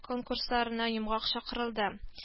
Конкурсларына йомгак чыгарылды